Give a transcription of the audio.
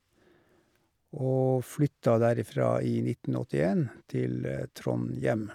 Og flytta derifra i nitten åttien, til Trondhjem.